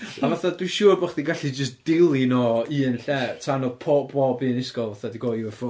A fatha 'dw i'n siŵr bo' chdi'n gallu jyst dilyn nhw o i un lle tan o po- pob un ysgol fatha 'di gweld UFO.